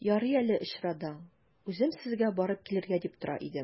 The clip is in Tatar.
Ярый әле очрадың, үзем сезгә барып килергә дип тора идем.